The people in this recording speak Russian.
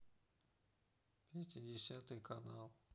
пятидесятый канал